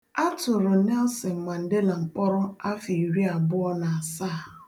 A tụrụ Nelson Mandela mkpọrọ afọ 27.